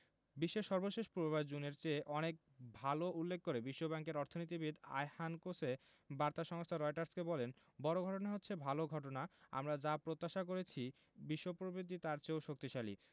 বিশ্বের সর্বশেষ পূর্বাভাস জুনের চেয়ে অনেক ভালো উল্লেখ করে বিশ্বব্যাংকের অর্থনীতিবিদ আয়হান কোসে বার্তা সংস্থা রয়টার্সকে বলেন বড় ঘটনা হচ্ছে ভালো ঘটনা আমরা যা প্রত্যাশা করেছি বিশ্ব প্রবৃদ্ধি তার চেয়েও শক্তিশালী